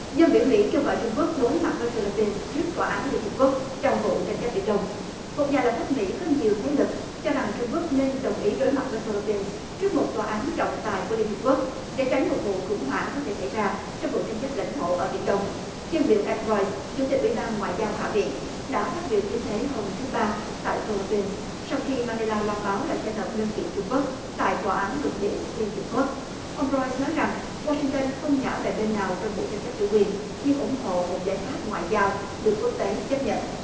dân biểu mỹ kêu gọi trung quốc đối mặt với phi líp pin trước tòa án liên hiệp quốc trong vụ tranh chấp biển đông một nhà lập pháp mỹ có nhiều thế lực cho rằng trung quốc nên đồng ý đối mặt với phi líp pin trước một tòa án trọng tài của liên hiệp quốc để tránh một vụ khủng hoảng có thể xảy ra trong vụ tranh chấp lãnh thổ ở biển đông dâng biểu e roi chủ tịch ủy ban ngoại giao hạ viện đã phát biểu như thế hôm thứ ba tại phi líp pin sau khi ma ni la loan báo là sẽ nộp đơn kiện trung quốc tại tòa án luật biển liên hiệp quốc ông roi nói rằng oa sinh tơn không ngả về bên nào trong vụ tranh chấp chủ quyền nhưng ủng hộ một giải pháp ngoại giao được quốc tế chấp nhận